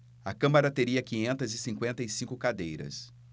a câmara teria quinhentas e cinquenta e cinco cadeiras